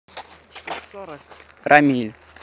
рамиль